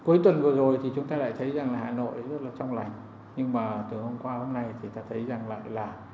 cuối tuần vừa rồi thì chúng ta lại thấy rằng hà nội luôn là trong lành nhưng mà từ hôm qua đến hôm nay thì ta thấy rằng lại là